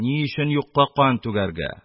Ни өчен юкка кан түгәргә?!.